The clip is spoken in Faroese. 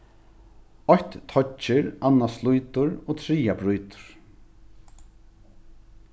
eitt toyggir annað slítur og triðja brýtur